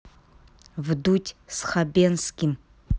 вдудь с хабенским